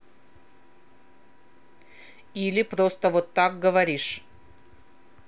или просто вот так говоришь